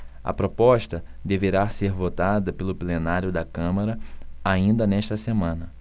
a proposta deverá ser votada pelo plenário da câmara ainda nesta semana